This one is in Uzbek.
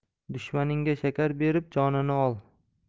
dushmaningga shakar berib jonini ol